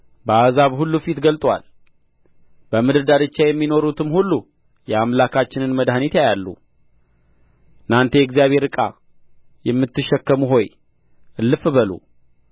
በአሕዛብ ሁሉ ፊት ገልጦአል በምድር ዳርቻ የሚኖሩትም ሁሉ የአምላካችንን መድኃኒት ያያሉ እናንተ የእግዚአብሔር ዕቃ የምትሸከሙ ሆይ